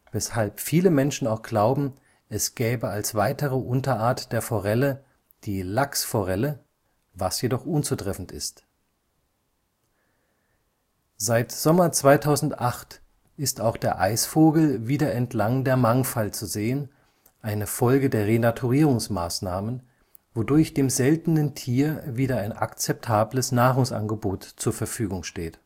weshalb viele Menschen auch glauben, es gäbe als weitere Unterart der Forelle, die Lachsforelle, was jedoch unzutreffend ist. Seit Sommer 2008 ist auch der Eisvogel wieder entlang der Mangfall zu sehen, eine Folge der Renaturierungsmaßnahmen, wodurch dem seltenen Tier wieder ein akzeptables Nahrungsangebot zur Verfügung steht